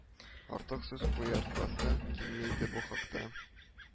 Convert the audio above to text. Артык сүз куертасы килми иде бу хакта